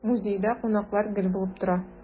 Музейда кунаклар гел булып тора.